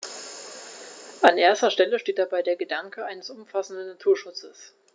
An erster Stelle steht dabei der Gedanke eines umfassenden Naturschutzes.